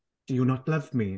"Do you not love me?"